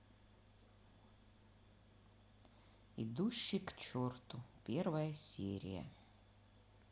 идущий к черту первая серия